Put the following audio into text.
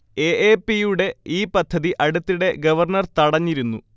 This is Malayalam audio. എ. എ. പി. യുടെ ഈ പദ്ധതി അടുത്തിടെ ഗവർണർ തടഞ്ഞിരുന്നു